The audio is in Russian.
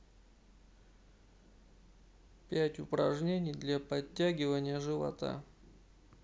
пять упражнений для подтягивания живота